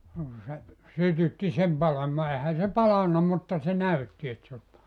no kun se sytytti sen palamaan eihän se palanut mutta se näytti että se olisi palanut